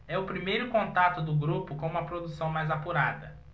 é o primeiro contato do grupo com uma produção mais apurada